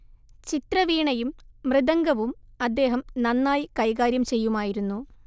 ചിത്രവീണയും മൃദംഗവും അദ്ദേഹം നന്നായി കൈകാര്യം ചെയ്യുമായിരുന്നു